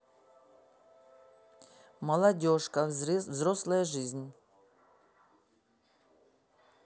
включи назад